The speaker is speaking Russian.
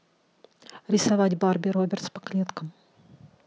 рисовать барби робертс по клеткам